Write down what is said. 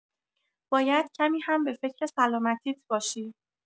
باید کمی هم به فکر سلامتیت باشی.